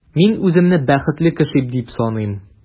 Мин үземне бәхетле кеше дип саныйм.